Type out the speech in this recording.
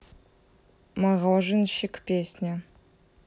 мороженщик песня